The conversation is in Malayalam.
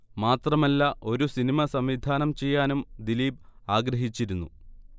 മാത്രമല്ല ഒരു സിനിമ സംവിധാനം ചെയ്യാനും ദിലീപ് ആഗ്രഹിച്ചിരുന്നു